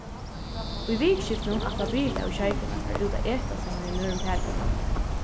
í vikuskiftinum ætla birita og sjeikurin at fara á út at eta saman við einum øðrum pari